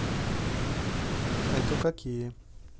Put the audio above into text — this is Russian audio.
это какие